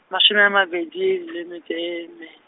mashome a mabedi le metso e nne.